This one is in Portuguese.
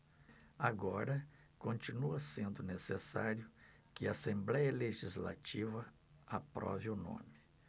agora continua sendo necessário que a assembléia legislativa aprove o nome